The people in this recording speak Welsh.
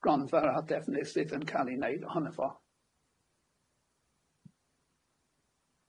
yy gronfa a defnydd sydd yn ca'l i wneud ohono fo.